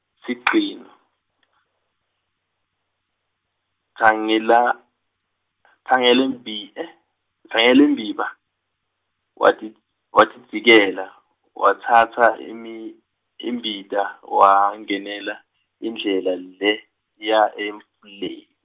sigcino , Tsangela- , Tsangalembi- , Tsangalembiba, watid- watidzikela , watsatsa imi- imbita, wangenela, indlela leya emfule-.